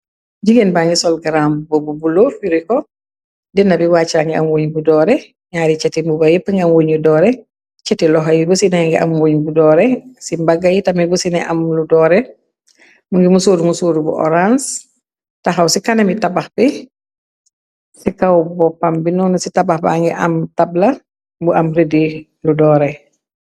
Jigéen ba ngi sol gramb bobu bu lor furi ko dina bi wàccaa. Ngi am woñ bu doore ñaar yi ceti muba yépp ngi am wñ yu doore ceti loxoy bu ci ne ngi am woñ. Bu doore ci mbagga yi tami bu si ne am lu doore. Mu ngi mu suuru nu suuru bu orance taxaw ci kana mi tabax be ci kawb boppam bi noona. Ci tabax ba ngi am tabla bu am rëddi lu doore.